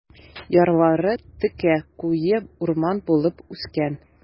Ярлары текә, куе урман булып үскән.